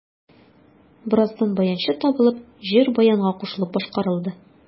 Бераздан баянчы табылып, җыр баянга кушылып башкарылды.